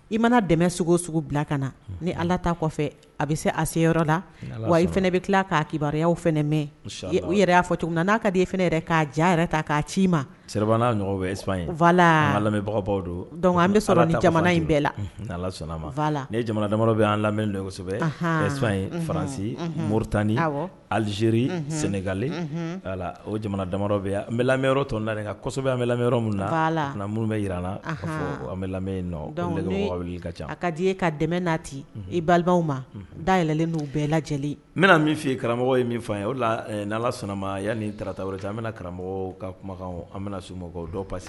I mana dɛmɛ sugu sugu bila ka na ni ala taa kɔfɛ a bɛ se a se yɔrɔ la wa i fana bɛ tila k'a kibaruyaw fana mɛn u yɛrɛ y'a fɔ cogo n'a ka e fana' ja yɛrɛ ta k'a ci i ma seɔgɔ bɛ elabagawbaw don dɔnku an bɛ ni jamana in bɛɛ la' sɔnna' ma la jamana damadɔ bɛ an lamɛnsɛbɛ sɔn ye faransi mori tanani alizeiriri sengale o jamana dama bɛ yan an n bɛ lamɛn yɔrɔ tɔn kasɛbɛ yan an bɛ yɔrɔ min na la kana minnu bɛ jira na an bɛ lamɛn i ka ca a ka die ka dɛmɛ naati i balibaw ma da yɛlɛlen n'u bɛɛ lajɛ lajɛlen n bɛna min fɔ ye karamɔgɔ ye min fɔ ye o la ni sɔnnama yan ni darata wɛrɛ an bɛna karamɔgɔ ka kumakan an bɛna somɔgɔw dɔw parce